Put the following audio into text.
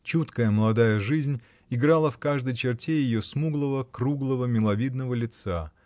чуткая, молодая жизнь играла в каждой черте ее смуглого, круглого, миловидного лица